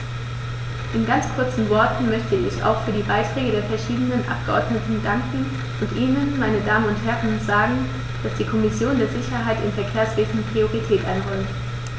In ganz kurzen Worten möchte ich auch für die Beiträge der verschiedenen Abgeordneten danken und Ihnen, meine Damen und Herren, sagen, dass die Kommission der Sicherheit im Verkehrswesen Priorität einräumt.